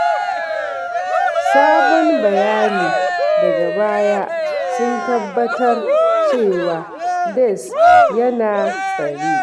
[Sabon bayani: daga baya sun tabbatar cewa Diaz yana tsare]